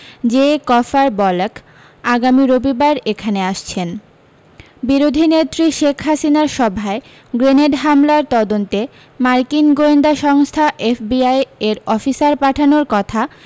J Cofer Black আগামী রবিবার এখানে আসছেন বিরোধী নেত্রী শেখ হাসিনার সভায় গ্রেনেড হামলার তদন্তে মার্কিন গোয়েন্দা সংস্থা এফবিআই এর অফিসার পাঠানোর কথা